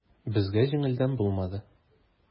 Безгә җиңелдән булмады.